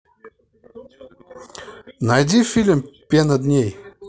найди фильм пена дней